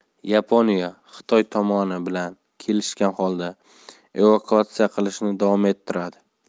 yaponiya xitoy tomoni bilan kelishgan holda evakuatsiya qilishni davom ettiradi